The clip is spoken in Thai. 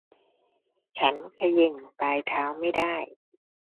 ฉันเขย่งปลายเท้าไม่ได้